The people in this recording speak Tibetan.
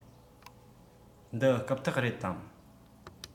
འདི རྐུབ སྟེགས རེད དམ